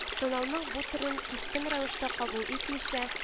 Сынауның бу төрен кискен рәвештә кабул итмичә